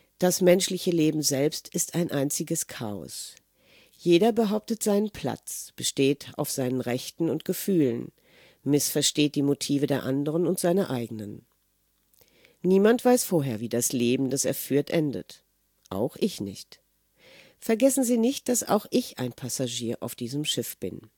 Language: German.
Das menschliche Leben selbst ist ein einziges Chaos. Jeder behauptet seinen Platz, besteht auf seinen Rechten und Gefühlen, missversteht die Motive der anderen und seine eigenen. Niemand weiß vorher, wie das Leben, das er führt, endet, auch ich nicht - vergessen Sie nicht, dass auch ich ein Passagier auf diesem Schiff bin